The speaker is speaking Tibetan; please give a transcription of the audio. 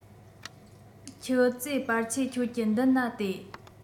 ཁྱི ཙེ པར ཆས ཁྱོད ཀྱི མདུན ན དེད